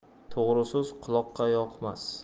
to'g'ri so'z quloqqa yoqmas